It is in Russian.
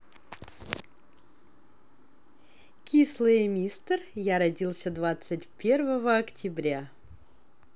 кислое мистер я родился двадцать первого октября